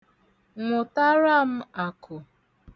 Nwụtara m akụ.